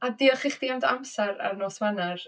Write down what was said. A diolch i chdi am dy amser ar nos Wener.